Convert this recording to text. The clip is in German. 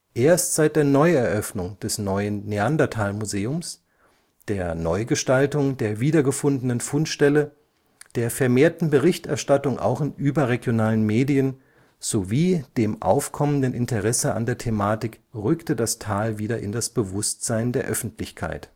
Erst seit der Neueröffnung des neuen Neanderthal-Museums, der Neugestaltung der wiedergefundenen Fundstelle, der vermehrten Berichterstattung auch in überregionalen Medien, sowie dem aufkommenden Interesse an der Thematik rückte das Tal wieder in das Bewusstsein der Öffentlichkeit